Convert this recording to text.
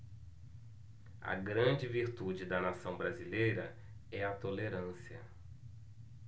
a grande virtude da nação brasileira é a tolerância